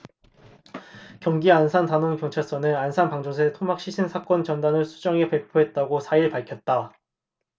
경기 안산단원경찰서는 안산 방조제 토막시신 사건 전단을 수정해 배포했다고 사 일 밝혔다